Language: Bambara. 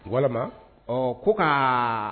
Walima ɔ ko kaa